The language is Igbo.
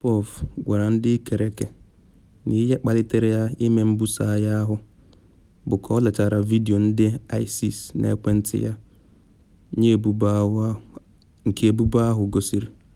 Saipov gwara ndị ikikere na ihe kpalitere ya ịme mbuso agha ahụ bụ ka ọ lelechara vidio ndị ISIS n’ekwentị ya, nke ebubo ahụ gosiri.